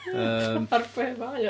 Ar be mae o?